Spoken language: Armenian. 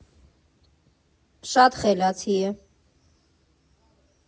Շատ խելացի է։